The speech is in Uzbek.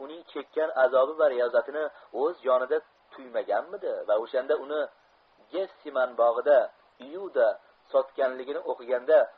uning chekkan azobi va riyozatini o'z jonida tuymaganmidi va o'shanda uni gefsiman bog'ida iuda sotganligini o'qigandi